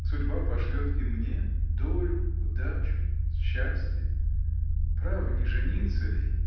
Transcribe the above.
“Судьба” пошлет и мне долю, “удачу, счастье”. Право, не жениться ли?.